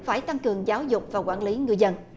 phải tăng cường giáo dục và quản lý ngư dân